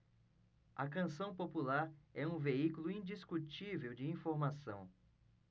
a canção popular é um veículo indiscutível de informação